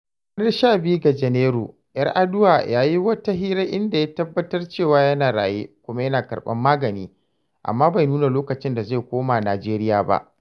A ranar 12 ga Janairu, Yar’Adua ya yi wata hira inda ya tabbatar cewa yana raye kuma yana karɓar magani, amma bai nuna lokacin da zai koma Najeriya ba.